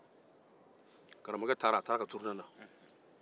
karamɔgɔkɛ taara a ka turunɛ na